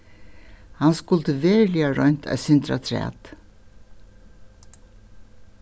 hann skuldi veruliga roynt eitt sindur afturat